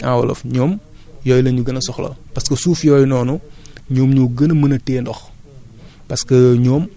maanaam déeg en wolof deg en wolof ñoom yooyu la ñu gën a soxla parce que suuf yooyu noonu ñoom ñoo gën a mën a téye ndox